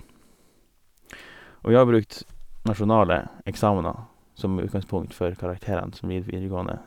Og vi har brukt nasjonale eksamener som utgangspunkt for karakterene som i videregående.